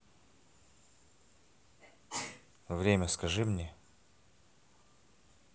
время скажи мне